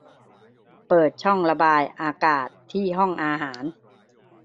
เปิดช่องระบายอากาศที่ห้องอาหาร